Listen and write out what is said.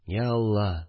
Йа алла